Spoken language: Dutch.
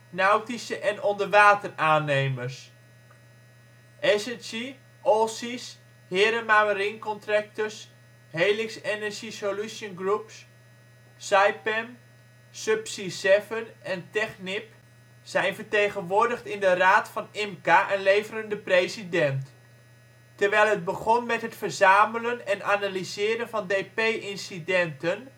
nautische en onderwateraannemers. Acergy, Allseas, Heerema Marine Contractors, Helix Energy Solutions Group, Saipem, Subsea 7 en Technip zijn vertegenwoordigd in de raad van IMCA en leveren de president. Terwijl het begon met het verzamelen en analyseren van DP-incidenten